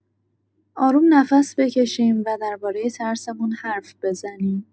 آروم نفس بکشیم و درباره ترسمون حرف بزنیم.